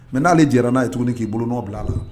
Mais nale jɛra na ye tuguni ki bolo nɔ bila a la.